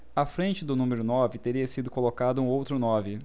à frente do número nove teria sido colocado um outro nove